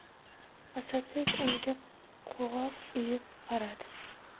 asadbek unga qovoq uyub qaradi